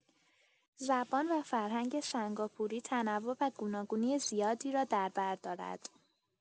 زبان و فرهنگ سنگاپوری تنوع و گوناگونی زیادی را در بر دارد.